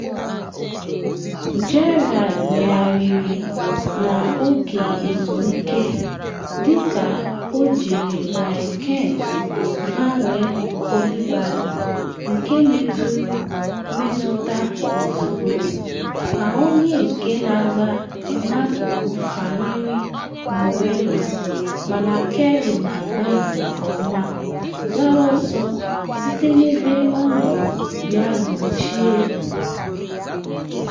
Gerrard megharịrị na oge ezumike dị ka o jiri Ryan Kent gbanwee Coulibaly nke metụrụ mmetụta ozugbo, ka onye nke na-agba n’akụkụ fanyere Morelos mana Kelly na-agba nke ọma gbara ọsọ site na ebe ọ nọ bịa gbochie.